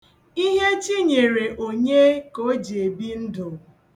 Ihe chi nyere onye ka o ji ebi ndụ.